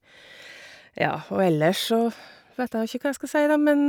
Ja, og ellers så vet jeg nå ikke hva jeg skal si, da, men...